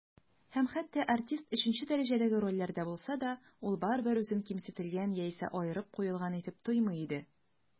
Һәм хәтта артист өченче дәрәҗәдәге рольләрдә булса да, ул барыбыр үзен кимсетелгән яисә аерылып куелган итеп тоймый иде.